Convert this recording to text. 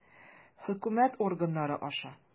Хөкүмәт органнары аша.